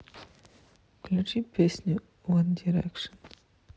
включи песню ван дирекшен